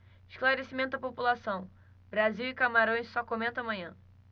esclarecimento à população brasil e camarões só comento amanhã